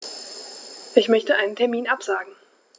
Ich möchte einen Termin absagen.